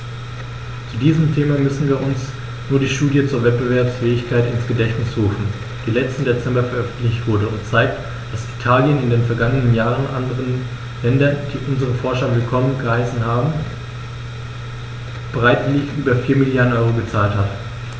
Zu diesem Thema müssen wir uns nur die Studie zur Wettbewerbsfähigkeit ins Gedächtnis rufen, die letzten Dezember veröffentlicht wurde und zeigt, dass Italien in den vergangenen Jahren anderen Ländern, die unsere Forscher willkommen geheißen haben, bereitwillig über 4 Mrd. EUR gezahlt hat.